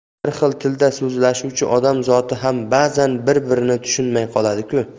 bir xil tilda so'zlashuvchi odam zoti ham bazan bir birini tushunmay qoladi ku